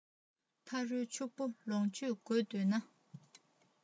ཕ རོལ ཕྱུག པོ ལོངས སྤྱོད དགོས འདོད ན